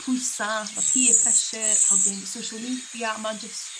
pwysa, ma' peer pressure a wedyn social media a ma'n jyst